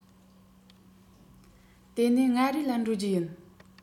དེ ནས མངའ རིས ལ འགྲོ རྒྱུ ཡིན